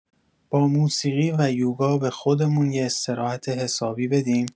با موسیقی و یوگا به خودمون یه استراحت حسابی بدیم؟